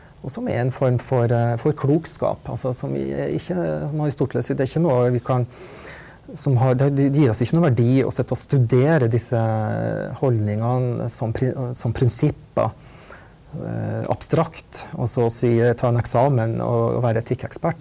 og som er en form for for klokskap altså som vi ikke som Aristoteles sier det er ikke noe vi kan som har det det det gir oss ikke noe verdi å sitte å studere disse holdningene som som prinsipper abstrakt og så og si ta en eksamen og vær etikkekspert.